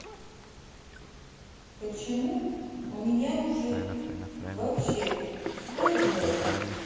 почему у меня мужик вообще стоит блядь